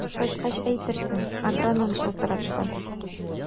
Кайткач әйтерсең, агроном чылтыратты.